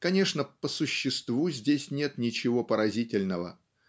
Конечно, по существу здесь нет ничего поразительного.